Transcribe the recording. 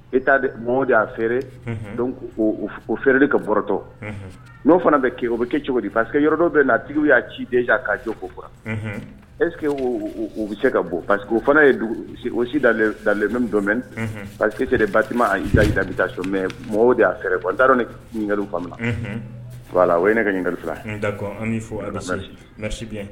E t' mɔgɔw y'a fɛ o fɛ ka bɔtɔ n'o fana bɛ kɛ o bɛ kɛ cogo pasekeke yɔrɔdɔ bɛ na tigi y'a ciden k'a jɔkouran ɛske o bɛ cɛ ka bon parce que o fana ye o si dalemɛ dɔ pa que tɛ bato a' layi da bɛ taa so mɛ mɔgɔ de y'a fɛɛrɛ fɔ n taara dɔn ne ɲininkakali faamuya wala o ye ne ka ɲininkali fila